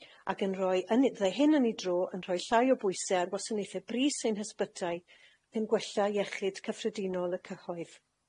ac yn rhoi yn... Fyddai hyn ei dro yn rhoi llai o bwyse ar wasanaethe brys ein hysbytai, ac yn gwella iechyd cyffredinol y cyhoedd.